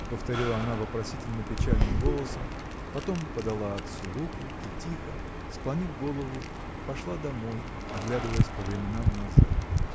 – повторила она вопросительно-печальным голосом потом подала отцу руку и тихо склонив голову пошла домой оглядываясь по временам назад.